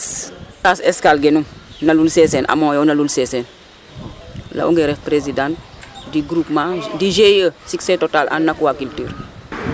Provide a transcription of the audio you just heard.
Mi Faas Eskal genum na Lul Seseen amo yoo na Lul Seseen ref Président no groupement du GIE succés totale en aquaculcure.